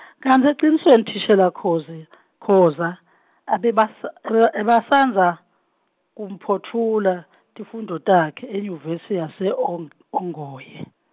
kantsi ecinisweni thishela Khoza , Khoza, abebasa- ab- abesandza, kuphotfula tifundvo takhe, enyuvesi yase- ong-, Ongoye.